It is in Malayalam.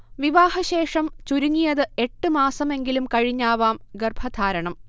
വിവാഹശേഷം ചുരുങ്ങിയത് എട്ട് മാസമെങ്കിലും കഴിഞ്ഞാവാം ഗർഭധാരണം